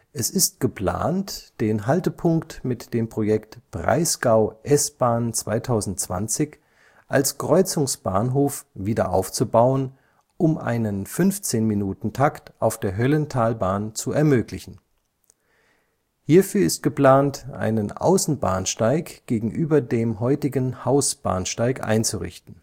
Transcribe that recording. Es ist geplant den Haltepunkt mit dem Projekt Breisgau-S-Bahn 2020 als Kreuzungsbahnhof wieder aufzubauen, um einen 15-Minuten-Takt auf der Höllentalbahn zu ermöglichen. Hierfür ist geplant einen Außenbahnsteig gegenüber dem heutigen Hausbahnsteig einzurichten